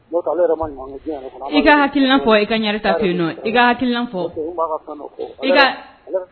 I ka hakili fɔ i ka to yen nɔn i ka hakili fɔ i